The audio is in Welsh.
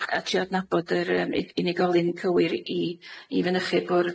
a trio adnabod yr yym u- unigolyn cywir i i fynychu'r bwrdd.